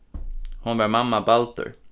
hon var mamma baldur